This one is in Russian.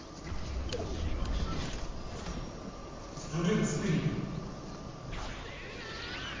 исправляй быстрей